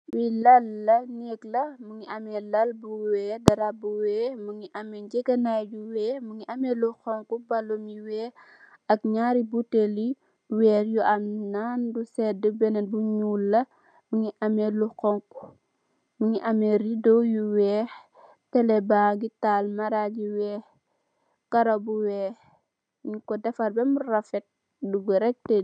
Fi laal la néeg la mogi ame lu weex darab bu weex mogi am ngegenay bu weex mogi ame lu xonxu fa lu weex ak naari botale weer yu am naan bu seda bene bu nuul la mogi ame lu xonxu mogi ame redo yu weex tele bagi taal marag bu weex karo bu weex nyung ko defar bem refet duga rek teg.